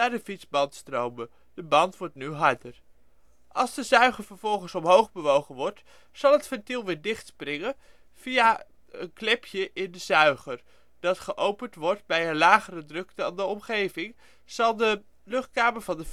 de fietsband stromen; de band wordt nu harder. Als de zuiger vervolgens omhoog bewogen wordt, zal het ventiel weer dichtspringen. Via een klepje in de zuiger, dat geopend wordt bij een lagere druk dan de omgeving, zal de luchtkamer van de